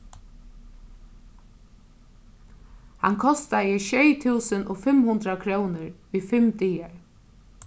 hann kostaði sjey túsund og fimm hundrað krónur í fimm dagar